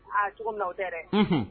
Aa cogo minna o tɛ dɛ